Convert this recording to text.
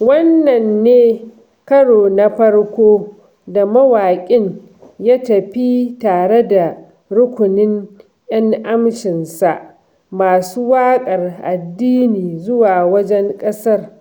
Wannan ne karo na farko da mawaƙin ya tafi tare da rukunin 'yan amshinsa masu waƙar addini zuwa wajen ƙasar